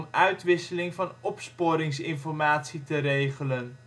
uitwisseling van opsporingsinformatie te regelen